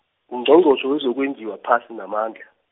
Ungqongqotjhe wezokwenjiwa phasi namandla.